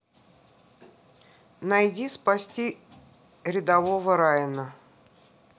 найди спасти рядового райана